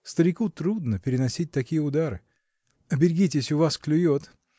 Старику трудно переносить такие удары!. Берегитесь, у вас клюет.